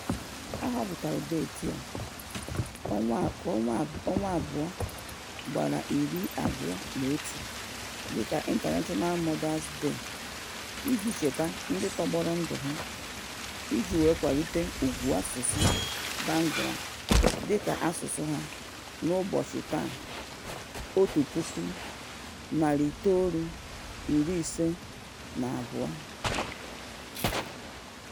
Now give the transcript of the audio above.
A họpụtara deeti a, Febụwarị 21, dịka International Mother Language Day iji cheta ndị tọgbọrọ ndụ ha iji kwalite ùgwù asụsụ Bangla, dịka asụsụ ha, n'ụbọchị taa na 1952.